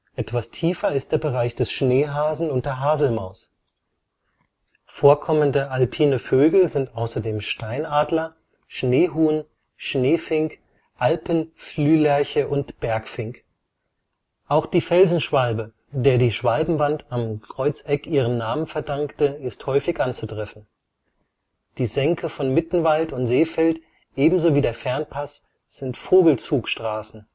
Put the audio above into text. Etwas tiefer ist der Bereich des Schneehasen und der Haselmaus. Vorkommende alpine Vögel sind außerdem Steinadler, Schneehuhn, Schneefink, Alpenflühlerche und Bergfink. Auch die Felsenschwalbe, der die Schwalbenwand am Kreuzeck ihren Namen verdankte ist häufig anzutreffen. Die Senke von Mittenwald und Seefeld, ebenso wie der Fernpass sind Vogelzugstrassen